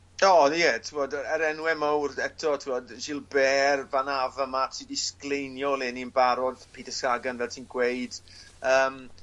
O ie t'mod yr enwe mowr eto t'mod Gilbert van Avermaet sy 'di sgleinio leni'n barod Peter Sagan fel ti'n gweud. Yym.